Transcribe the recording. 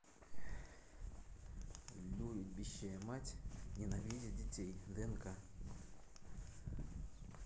любящая мать ненавидит детей днк